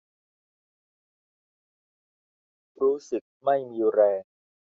รู้สึกไม่มีแรง